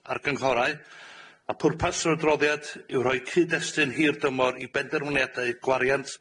weithio ac ario safio lot fawr o bres i'r cyngor yy yma amser 'ny.